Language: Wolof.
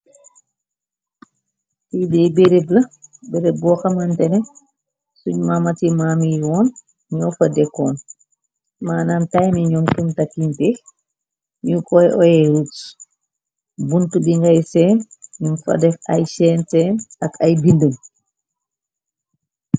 Li bereb la bereb boo xamantene suñ maamati maamiy woon ñoo fa dekkoon, maanam taymiñoom kintakkintee ñu koy oyé roxs bunt di ngay seen ñu fa def ay seenseen ak ay bindëm.